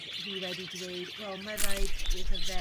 dwi wedi dweud wel mae raid iddo fe